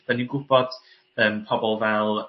'dyn ni'n gwbod yym pobol fel